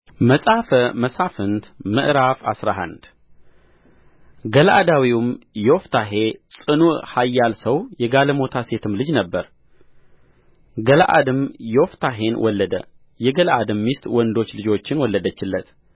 መጽሐፈ መሣፍንት ምዕራፍ አስራ አንድ ገለዓዳዊውም ዮፍታሔ ጽኑዕ ኃያል ሰው የጋለሞታ ሴትም ልጅ ነበረ ገለዓድም ዮፍታሔን ወለደ የገለዓድም ሚስት ወንዶች ልጆችን ወለደችለት